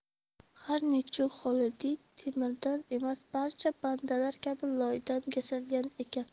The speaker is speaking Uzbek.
har nechuk xolidiy temirdan emas barcha bandalar kabi loydan yasalgan ekan